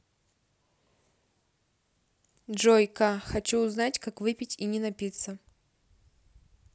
джой ка хочу узнать как выпить и не напиться